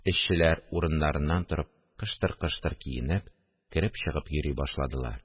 Эшчеләр урыннарыннан торып, кыштыр-кыштыр киенеп, кереп-чыгып йөри башладылар